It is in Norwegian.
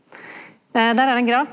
der er ein grav.